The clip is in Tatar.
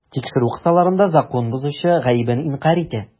Тикшерү кысаларында закон бозучы гаебен инкарь итә.